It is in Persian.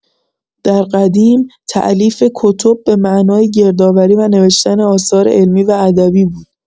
در قدیم، تألیف کتب به معنای گردآوری و نوشتن آثار علمی و ادبی بود.